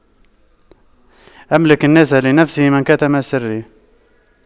أملك الناس لنفسه من كتم سره